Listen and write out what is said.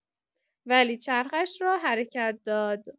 ولی چرخش را حرکت داد.